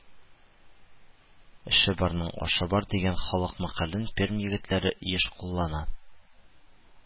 Эше барның ашы бар” дигән халык мәкален Пермь егетләре еш куллана